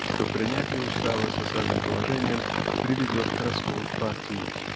что принятие устава с осадным положением приведет к расколу в партии